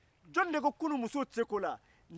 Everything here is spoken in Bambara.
jɔnni de ko ko kunun musow tɛ se ko la